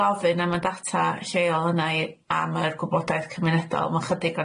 gofyn am y data lleol yna i am yr gwybodaeth cymunedol ma' chydig